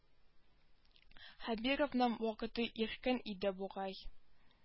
Хәбировның вакыты иркен иде бугай